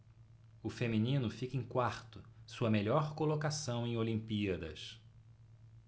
o feminino fica em quarto sua melhor colocação em olimpíadas